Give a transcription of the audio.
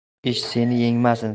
ish seni yengmasin